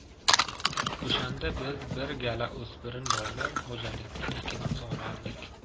o'shanda biz bir gala o'spirin bolalar xo'jalikda ekin sug'orardik